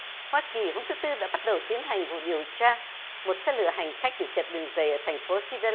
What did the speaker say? hoa kỳ hôm thứ tư đã bắt đầu tiến hành vụ điều tra một xe lửa hành khách bị trật đường dày ở thành phố phi la